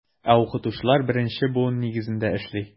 Ә укытучылар беренче буын нигезендә эшли.